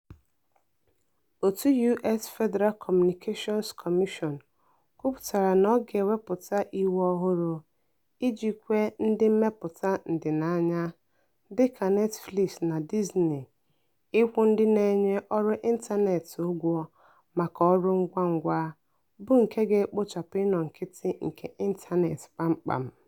Òtù US Federal Communications Commission kwupụtara na ọ ga-ewepụta iwu ọhụrụ iji kwe ndị mmepụta ndịnaya, dịka Netflix na Disney, ịkwụ ndị na-enye ọrụ ịntaneetị ụgwọ maka ọrụ ngwa ngwa, bụ nke ga-ekpochapụ ịnọ nkịtị nke ịntaneetị kpamkpam.